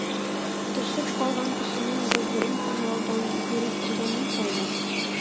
Төшеп калган кешенең гозерен тыңлаудан директорга ни файда?